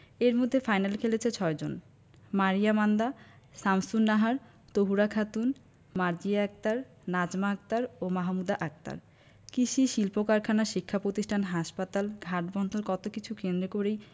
এর মধ্যে ফাইনালে খেলেছে ৬ জন মারিয়া মান্দা শামসুন্নাহার তহুরা খাতুন মার্জিয়া আক্তার নাজমা আক্তার ও মাহমুদা আক্তার কিষি শিল্পকারখানা শিক্ষাপতিষ্ঠান হাসপাতাল ঘাট বন্দর কত কিছু কেন্দ্র করেই